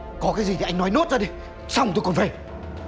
có cái gì anh nói nốt ra đi xong tôi còn về